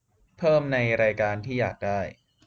เพิ่มในรายการที่อยากได้